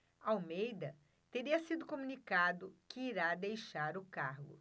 almeida teria sido comunicado que irá deixar o cargo